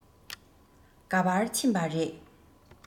ག པར ཕྱིན པ རེད